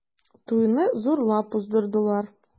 Туйны зурлап уздырдылар.